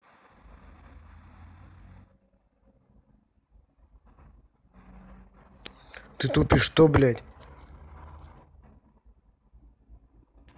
ты тупишь что блядь